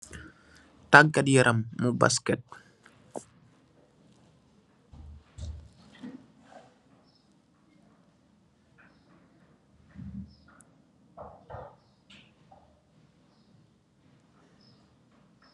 Taagat yaram bu basket.